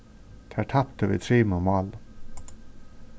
tær taptu við trimum málum